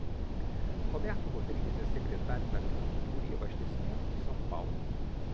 roberto rodrigues é secretário da agricultura e abastecimento de são paulo